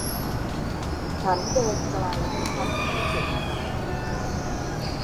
ฉันเดินไกลทำให้เจ็บเข่า